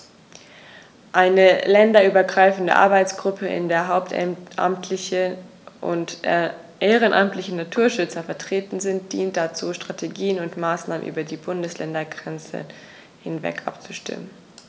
Eine länderübergreifende Arbeitsgruppe, in der hauptamtliche und ehrenamtliche Naturschützer vertreten sind, dient dazu, Strategien und Maßnahmen über die Bundesländergrenzen hinweg abzustimmen.